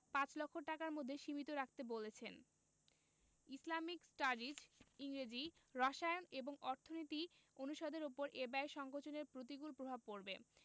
পাঁচ লক্ষ টাকার মধ্যে সীমিত রাখতে বলেছেন ইসলামিক স্টাডিজ ইংরেজি রসায়ন এবং অর্থনীতি অনুষদের ওপর এ ব্যয় সংকোচনের প্রতিকূল প্রভাব পড়বে